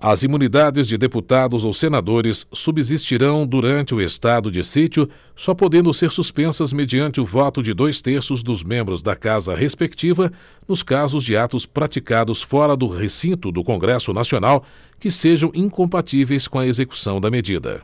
as imunidades de deputados ou senadores subsistirão durante o estado de sítio só podendo ser suspensas mediante o voto de dois terços dos membros da casa respectiva nos casos de atos praticados fora do recinto do congresso nacional que sejam incompatíveis com a execução da medida